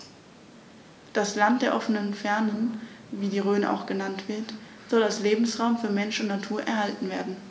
Das „Land der offenen Fernen“, wie die Rhön auch genannt wird, soll als Lebensraum für Mensch und Natur erhalten werden.